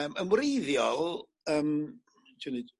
yym yn wreiddiol yym trio neud